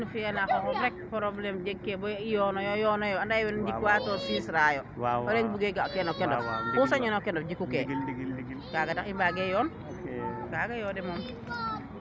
fiya na xoxof rek probleme njeg ke bo yoono yo yoono yo ndae njiwa to siis rayo o leŋ buge ga teen o kendof oxu sañ ina o kendof jikuke ndingi ndigil kaaga tax kaaga yo de moom